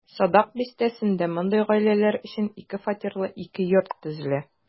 Садак бистәсендә мондый гаиләләр өчен ике фатирлы ике йорт төзелә.